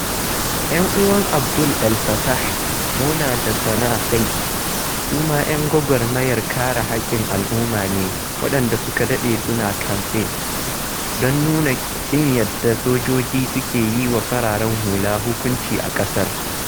Yan'uwan Abd El Fattah, Mona da Sanaa Seif, su ma 'yan gwagwarmayar kare haƙƙin al'umma ne waɗanda suka daɗe suna kamfe don nuna ƙin yadda sojoji suke yi wa fararen hula hukunci a ƙasar.